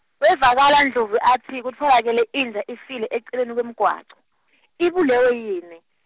Wevakala Ndlovu atsi kutfolakele inja ifile eceleni kwemgwaco, Ibulewe yini?